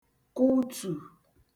kụtù